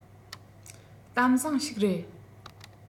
གཏམ བཟང ཞིག རེད